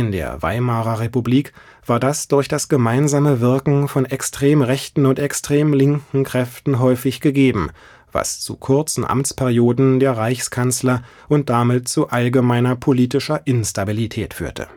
der Weimarer Republik war das durch das gemeinsame Wirken von extrem rechten und extrem linken Kräften häufig gegeben, was zu kurzen Amtsperioden der Reichskanzler und damit zu allgemeiner politischer Instabilität führte